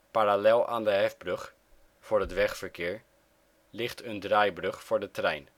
Parallel aan de hefbrug (voor het wegverkeer), ligt een draaibrug voor de trein